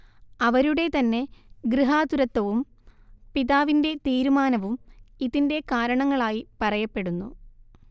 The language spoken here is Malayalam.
അവരുടെ തന്നെ ഗൃഹാതുരത്വവും പിതാവിന്റെ തീരുമാനവും ഇതിന്റെ കാരണങ്ങളായി പറയപ്പെടുന്നു